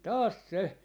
taas se